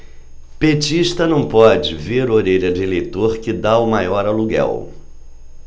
petista não pode ver orelha de eleitor que tá o maior aluguel